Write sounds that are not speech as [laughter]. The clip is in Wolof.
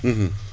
[hesitation] [hesitation]